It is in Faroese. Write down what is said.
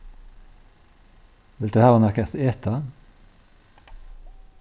vilt tú hava nakað at eta